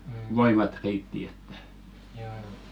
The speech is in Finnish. joo joo